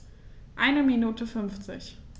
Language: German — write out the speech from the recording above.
Eine Minute 50